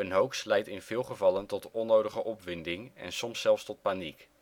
hoax leidt in veel gevallen tot onnodige opwinding en soms zelfs tot paniek